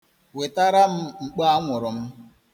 Wetara m mkpo anwụrụ m.